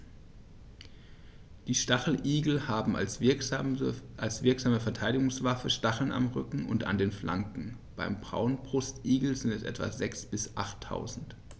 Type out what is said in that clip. Die Stacheligel haben als wirksame Verteidigungswaffe Stacheln am Rücken und an den Flanken (beim Braunbrustigel sind es etwa sechs- bis achttausend).